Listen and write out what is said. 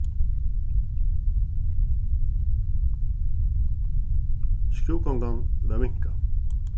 skrúðgongan var minkað